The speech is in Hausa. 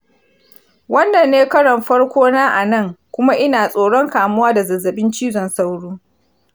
wannan ne karon farko na a nan, kuma ina tsoron kamuwa da zazzabin cizon sauro